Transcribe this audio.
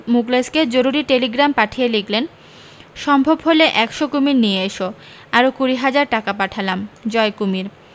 মুখলেসকে জরুরী টেলিগ্রাম পাঠিয়ে লিখলেন সম্ভব হলে একশ কুমীর নিয়ে এসো আরো কুড়ি হাজার টাকা পাঠালাম জয় কুমীর